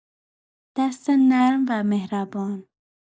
دست نرم و مهربان